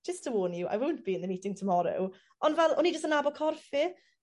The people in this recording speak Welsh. just to warn you I won't be in the meeting tomorrow. On' fel o'n i jyst yn nabod corff fi.